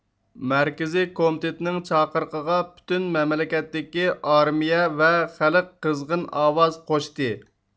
مەركىزىي كومىتېتنىڭ چاقىرىقىغا پۈتۈن مەملىكەتتىكى ئارمىيە ۋە خەلق قىزغىن ئاۋاز قوشتى